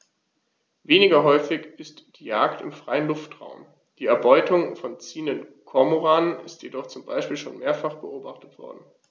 Weniger häufig ist die Jagd im freien Luftraum; die Erbeutung von ziehenden Kormoranen ist jedoch zum Beispiel schon mehrfach beobachtet worden.